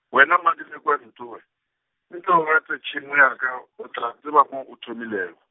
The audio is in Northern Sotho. wena madibekwane towe, nke o gate tšhemo ya ka, o tla tseba mo o thomilego.